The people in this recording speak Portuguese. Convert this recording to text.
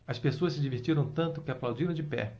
as pessoas se divertiram tanto que aplaudiram de pé